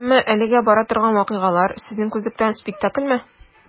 Әмма әлегә бара торган вакыйгалар, сезнең күзлектән, спектакльмы?